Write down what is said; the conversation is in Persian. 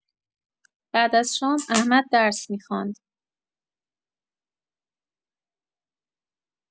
بعد از شام، احمد درس می‌خواند.